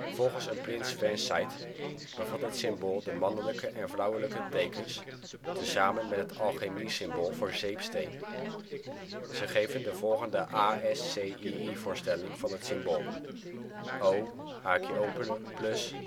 Volgens een Prince-fansite bevat het symbool de mannelijke en vrouwelijke tekens tezamen met het alchemiesymbool voor zeepsteen. Ze geven de volgende ASCII-voorstelling van het symbool: O (+>. Het